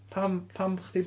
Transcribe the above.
Pam pam bod chdi...